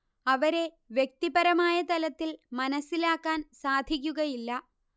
അവരെ വ്യക്തിപരമായ തലത്തിൽ മനസ്സിലാക്കാൻ സാധിക്കുകയില്ല